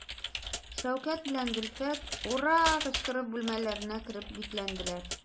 Шәүкәт белән Зөлфәт «ура» кычкырып бүлмәләренә кереп бикләнделәр.